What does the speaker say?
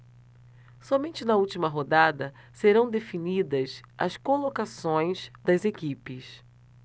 somente na última rodada serão definidas as colocações das equipes